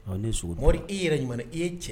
Ɔ ni sori e yɛrɛ ɲuman e ye cɛ